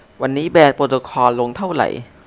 วันนี้แบรนด์โปรโตคอลลงเท่าไหร่